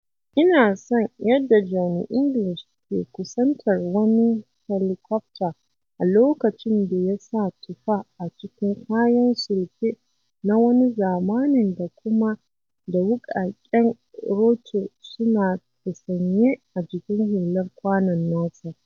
Ina son yadda Johnny English ke kusantar wani helikwafta a lokacin da ya sa tufa a cikin kayan sulke na wani zamanin da kuma da wuƙaƙen rotor suna da sanye a jikin hular kwanon nasa.